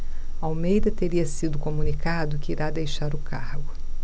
almeida teria sido comunicado que irá deixar o cargo